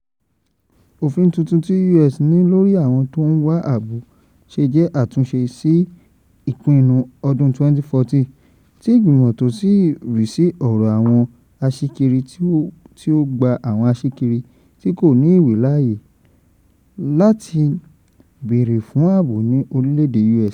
Òfin titun tí US ní lórí àwọn tó ń wá ààbò ṣe jẹ́ àtúnṣe sí ipinnu ọdún 2014 tí ìgbìmọ̀ tó ń rí sí ọ̀rọ̀ àwọn aṣíkiri tí ó gba àwọn aṣíkiri tí kò ní ìwé láyè láti bèèrè fún ààbò ní orílẹ̀èdè US.